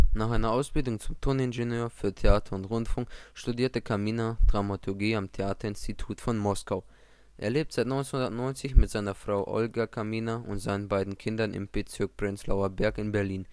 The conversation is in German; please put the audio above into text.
Nach einer Ausbildung zum Toningenieur für Theater und Rundfunk studierte Kaminer Dramaturgie am Theaterinstitut von Moskau. Er lebt seit 1990 mit seiner Frau Olga Kaminer und seinen beiden Kindern im Bezirk Prenzlauer Berg in Berlin